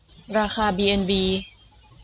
ราคาบีเอ็นบี